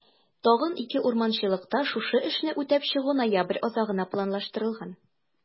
Тагын 2 урманчылыкта шушы эшне үтәп чыгу ноябрь азагына планлаштырылган.